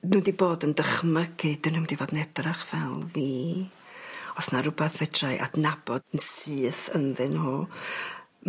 n'w 'di bod yn dychmygu 'dyn n'w mynd i fod yn edrach fel fi os 'na rwbath fedrai adnabod yn syth ynddyn nhw